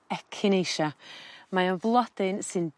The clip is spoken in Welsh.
echinacea mae o'n flodyn sy'n